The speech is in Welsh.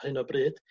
a un o bryd